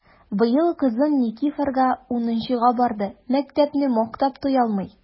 Быел кызым Никифарга унынчыга барды— мәктәпне мактап туялмый!